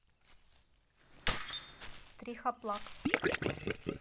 трихоплакс